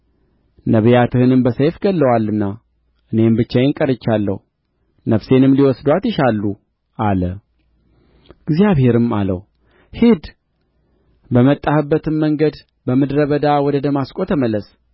ነቢያትህንም በሰይፍ ገድለዋልና እኔም ብቻዬን ቀርቻለሁ ነፍሴንም ሊወስዱአት ይሻሉ አለ እግዚአብሔርም አለው ሂድ በመጣህበትም መንገድ በምድረ በዳ ወደ ደማስቆ ተመለስ